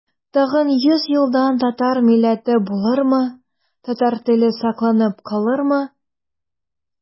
Тагын йөз елдан татар милләте булырмы, татар теле сакланып калырмы?